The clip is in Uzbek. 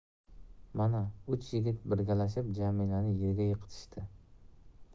mana uch yigit birgalashib jamilani yerga yiqitishdi